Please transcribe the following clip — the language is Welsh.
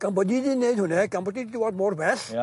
Gan bo' ni di neud hwnne gan bo' ni di dywod mor bell. Ia.